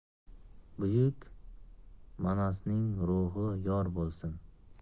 buyuk manasning ruhi yor bo'lsin